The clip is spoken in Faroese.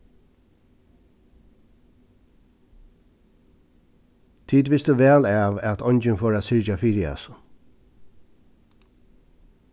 tit vistu væl av at eingin fór at syrgja fyri hasum